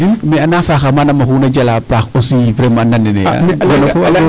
Mais "a naa faaxaa oxu na jala paax aussi vraiment nan nene .